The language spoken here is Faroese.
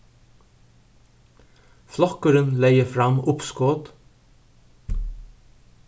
flokkurin legði fram uppskot